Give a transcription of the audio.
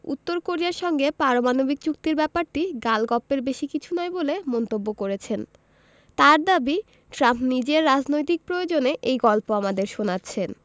উত্তর কোরিয়ার সঙ্গে পারমাণবিক চুক্তির ব্যাপারটি গালগপ্পের বেশি কিছু নয় বলে মন্তব্য করেছেন তাঁর দাবি ট্রাম্প নিজের রাজনৈতিক প্রয়োজনে এই গল্প আমাদের শোনাচ্ছেন